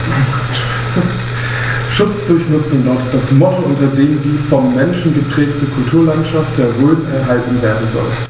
„Schutz durch Nutzung“ lautet das Motto, unter dem die vom Menschen geprägte Kulturlandschaft der Rhön erhalten werden soll.